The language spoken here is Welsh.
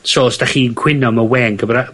So os 'dach chi'n cwyno am y we yn Cymra-